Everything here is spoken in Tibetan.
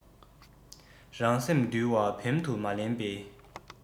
རང སེམས འདུལ བ འབེམ དུ མི ལེན པའི